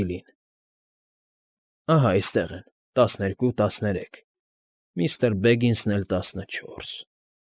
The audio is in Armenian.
Կիլին։ Ահա այստեղ են, տասներկու, տասներեք, միստր Բեգինսն էլ տասնչորս։